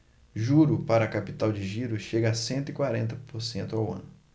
juro para capital de giro chega a cento e quarenta por cento ao ano